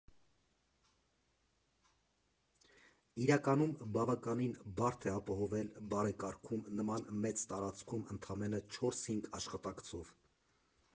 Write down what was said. Իրականում բավականին բարդ է ապահովել բարեկարգում նման մեծ տարածքում ընդամենը չորս֊հինգ աշխատակցով։